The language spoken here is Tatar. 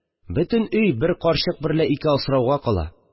Бөтен өй бер карчык берлә ике асрауга кала